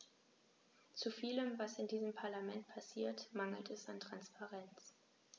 Zu vielem, was in diesem Parlament passiert, mangelt es an Transparenz.